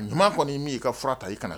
J kɔni' m min'i ka furaura ta i kana na